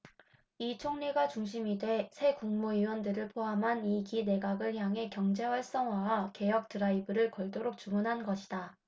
이 총리가 중심이 돼 새 국무위원들을 포함한 이 기 내각을 향해 경제활성화와 개혁 드라이브를 걸도록 주문한 것이다